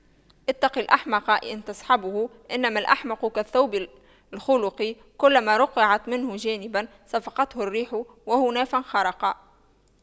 اتق الأحمق أن تصحبه إنما الأحمق كالثوب الخلق كلما رقعت منه جانبا صفقته الريح وهنا فانخرق